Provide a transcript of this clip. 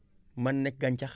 mën na nekk gàncax